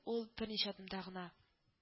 Ул берничә адымда гына